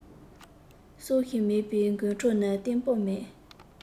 སྲོག ཤིང མེད པའི འགོ ཁྲིད ནི བརྟན པོ མེད